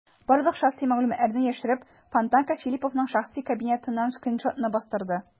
Барлык шәхси мәгълүматларны яшереп, "Фонтанка" Филипповның шәхси кабинетыннан скриншотны бастырды.